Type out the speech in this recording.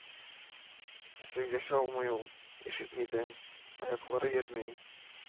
— сөйләшә алмый ул. ишетми дә. аяклары йөрми